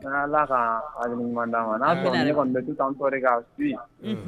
Ka'a n'a mɛ toɔri ka